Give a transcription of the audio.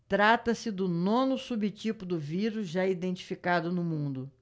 trata-se do nono subtipo do vírus já identificado no mundo